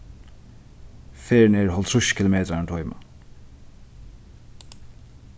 ferðin er hálvtrýss kilometrar um tíman